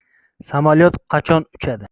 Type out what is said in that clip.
samaliyot qachon uchadi